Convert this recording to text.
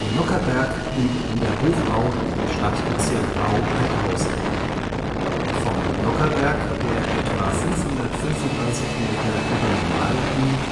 Nockherberg liegt in der Hochau im Stadtbezirk Au-Haidhausen. Vom Nockherberg (etwa 535 m ü. NN